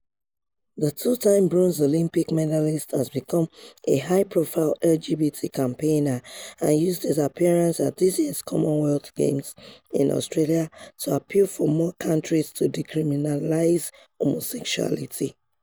The two-time bronze Olympic medalist has become a high-profile LGBT campaigner and used his appearance at this year's Commonwealth Games in Australia to appeal for more countries to decriminalize homosexuality.